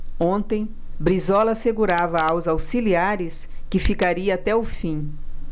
ontem brizola assegurava aos auxiliares que ficaria até o fim